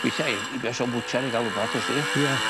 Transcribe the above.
Weithia ei i besha- bwtsiar i ga'l wbath wsdi? Ie.